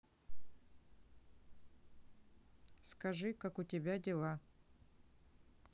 скажи как у тебя дела